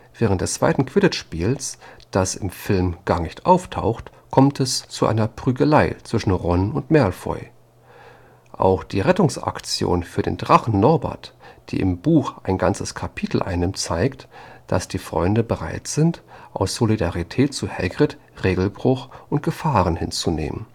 Während des zweiten Quidditch-Spiels, das im Film gar nicht auftaucht, kommt es zu einer Prügelei zwischen Ron und Malfoy. Auch die Rettungsaktion für den Drachen Norbert, die im Buch ein ganzes Kapitel einnimmt, zeigt, dass die Freunde bereit sind, aus Solidarität zu Hagrid Regelbruch und Gefahren hinzunehmen